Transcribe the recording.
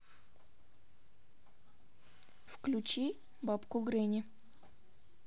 включи бабку гренни